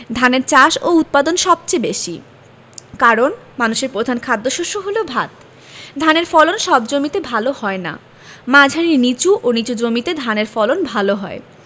ধানের চাষ ও উৎপাদন সবচেয়ে বেশি কারন মানুষের প্রধান খাদ্যশস্য হলো ভাত ধানের ফলন সব জমিতে ভালো হয় না মাঝারি নিচু ও নিচু জমিতে ধানের ফলন ভালো হয়